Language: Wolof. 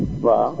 waaw